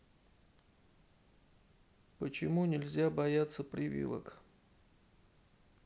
почему нельзя бояться прививок